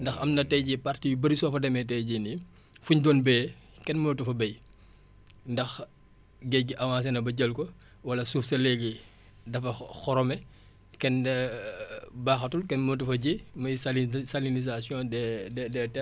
ndax am na tey jii parties yu bëri soo fa demee tey jii nii fuñ doon béyee kenn mënatu fa béy ndax géej gi avancé na ba jël ko wala suuf si léegi dafa xorome kenn baaxatu kenn mënatu fa ji muy sali de salinisation des des des terres